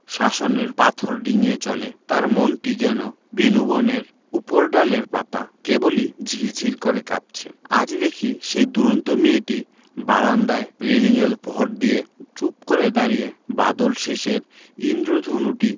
শাসনের পাথর ডিঙ্গিয়ে চলে তার মনটি যেন বেনূবনের উপরডালের পাতা কেবলি ঝির ঝির করে কাঁপছে আজ দেখি সেই দূরন্ত মেয়েটি বারান্দায় রেলিঙে ভর দিয়ে চুপ করে দাঁড়িয়ে বাদলশেষের ঈন্দ্রধনুটি